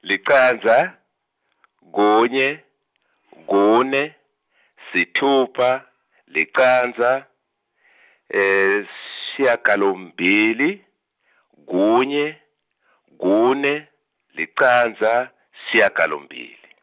licandza kunye kune sitfupha licandza sishiyagalombili, kunye kune licandza sishiyagalombili.